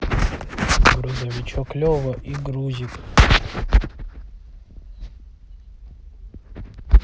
грузовичок лева и грузик